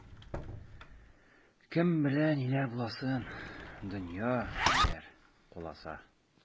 Кем белә ниләр буласын, дөнья, диләр, куласа.